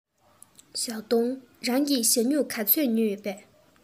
ཞའོ ཏུང རང གིས ཞྭ སྨྱུག ག ཚོད ཉོས ཡོད པས